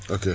ok